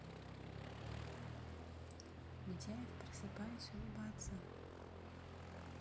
митяев просыпаясь улыбаться